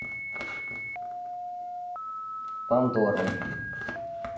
пандорум